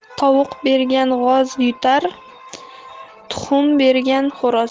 tovuq bergan g'oz kutar tuxum bergan xo'roz